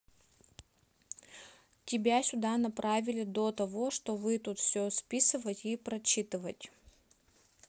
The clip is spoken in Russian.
тебя сюда направили до того что вы тут все списывать и прочитывать